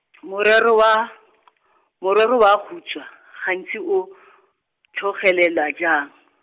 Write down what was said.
morero wa , morero wa khutshwe, gantsi o , tlhagelela jang?